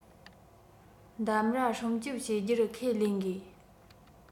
འདམ ར སྲུང སྐྱོང བྱེད རྒྱུར ཁས ལེན དགོས